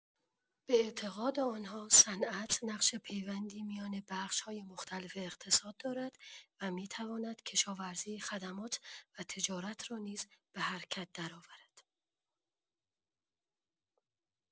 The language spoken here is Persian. به اعتقاد آن‌ها، صنعت، نقش پیوندی میان بخش‌های مختلف اقتصاد دارد و می‌تواند کشاورزی، خدمات و تجارت را نیز به حرکت درآورد.